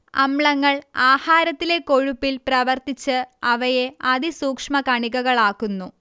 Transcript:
അമ്ലങ്ങൾ ആഹാരത്തിലെ കൊഴുപ്പിൽ പ്രവർത്തിച്ച് അവയെ അതിസൂക്ഷ്മകണികകളാക്കുന്നു